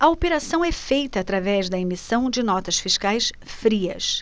a operação é feita através da emissão de notas fiscais frias